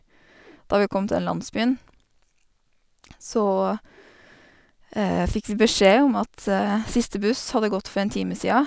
Da vi kom til den landsbyen så fikk vi beskjed om at siste buss hadde gått for en time sia.